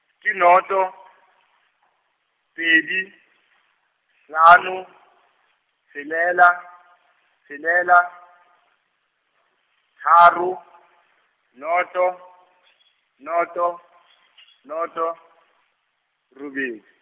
ke noto , pedi, hlano, tshelela, tshelela, tharo, noto , noto , noto, robedi.